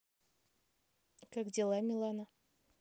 как дела милана